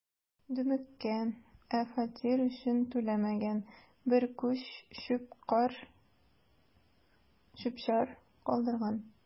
„дөмеккән, ә фатир өчен түләмәгән, бер күч чүп-чар калдырган“.